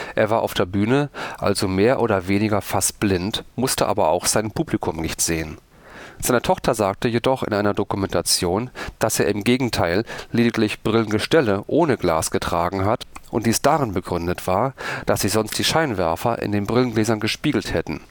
Er war auf der Bühne also mehr oder minder fast blind, musste aber auch sein Publikum nicht sehen. Seine Tochter sagte jedoch in einer Dokumentation, dass er im Gegenteil lediglich Brillengestelle ohne Gläser getragen hat und dies darin begründet war, dass sich sonst die Scheinwerfer in den Brillengläsern gespiegelt hätten